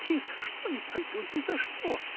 — Ни за что не пойду, ни за что!